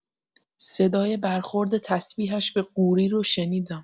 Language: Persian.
صدای برخورد تسبیحش به قوری رو شنیدم.